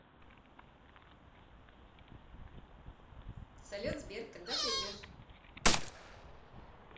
салют сбер когда ты идешь